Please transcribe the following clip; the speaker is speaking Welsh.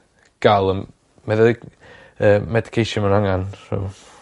gal y meddyg yy medication ma' n'w angan so.